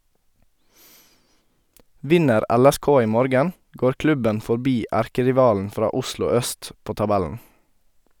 Vinner LSK i morgen, går klubben forbi erkerivalen fra Oslo øst på tabellen.